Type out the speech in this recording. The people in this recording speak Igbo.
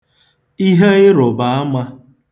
ihe ịrụ̀bàamā